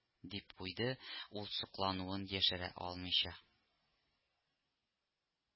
—дип куйды ул соклануын яшерә алмыйча